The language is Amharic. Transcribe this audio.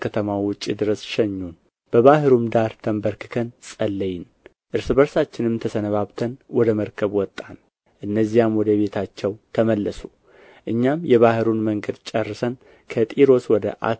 ከተማው ውጭ ድረስ ሸኙን በባሕሩም ዳር ተንበርክከን ጸለይን እርስ በርሳችንም ተሰነባብተን ወደ መርከብ ወጣን እነዚያም ወደ ቤታቸው ተመለሱ እኛም የባሕሩን መንገድ ጨርሰን ከጢሮስ ወደ